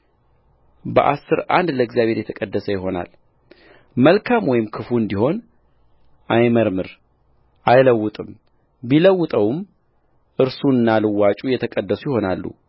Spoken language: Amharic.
በአሥር አንድ ለእግዚአብሔር የተቀደሰ ይሆናልመልካም ወይም ክፉ እንዲሆን አይመርምር አይለውጥም ቢለውጠውም እርሱና ልዋጩ የተቀደሱ ይሆናሉ